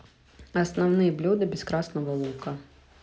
основные блюда без красного лука